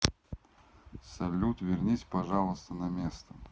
салют вернись пожалуйста на месте